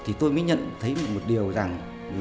thì tôi mới nhận thấy một điều rằng là